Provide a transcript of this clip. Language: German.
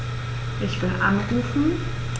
Ich will anrufen.